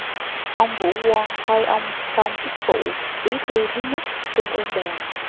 ông vũ quang thay ông trong chức vụ bí thư thứ nhất trung ương đoàn